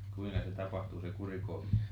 kuinka se tapahtui se kurikoiminen